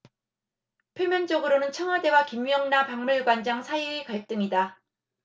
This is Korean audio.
표면적으로는 청와대와 김영나 박물관장 사이의 갈등이다